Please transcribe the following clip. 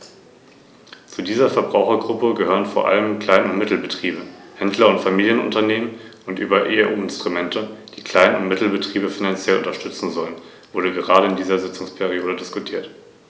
Wir müssen herausfinden, über welche Qualifikationen und Potentiale unsere Regionen im High-Tech-Sektor verfügen.